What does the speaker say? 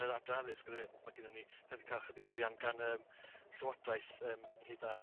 yr adran addysg ar y funud 'da ni 'di ca'l 'chydig o arian gan y Llywodraeth ym ynghyd â